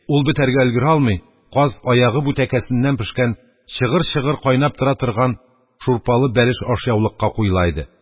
Ул бетәргә өлгерә алмый, каз аягы-бүтәкәсеннән пешкән, чыгыр-чыгыр кайнап тора торган шурпалы бәлеш ашъяулыкка куела иде.